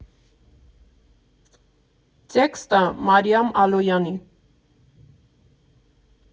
Տեքստը՝ Մարիամ Ալոյանի։